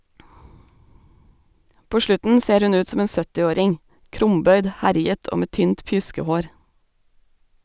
På slutten ser hun ut som en 70-åring, krumbøyd, herjet og med tynt pjuskehår.